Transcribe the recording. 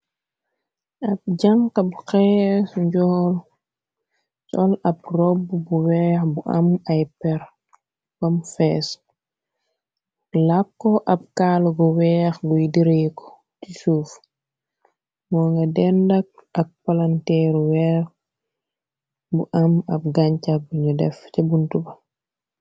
ab jànqa bu xees njool sol ab robb bu weex bu am ay rpom fees làkko ab kaala gu weex buy direeko ci suuf moo nga dendak ak palanteeru weer bu am ab ganca bunu def ca buntuba.